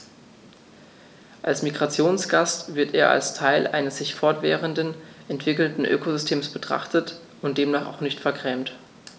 Als Migrationsgast wird er als Teil eines sich fortwährend entwickelnden Ökosystems betrachtet und demnach auch nicht vergrämt.